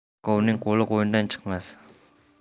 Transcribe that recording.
yalqovning qo'li qo'ynidan chiqmas